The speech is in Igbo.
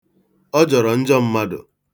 Ọ jọrọ njọ mmadụ.